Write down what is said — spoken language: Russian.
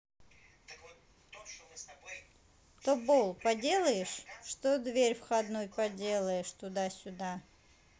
тобол поделаешь что дверь входной поделаешь туда сюда